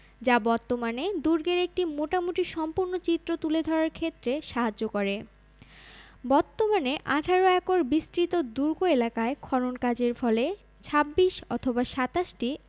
যা বর্তমানে দুর্গের একটি মোটামুটি সম্পূর্ণ চিত্র তুলে ধরার ক্ষেত্রে সাহায্য করে বর্তমানে ১৮ একর বিস্তৃত দুর্গ এলাকায় খনন কাজের ফলে ২৬ অথবা ২৭টি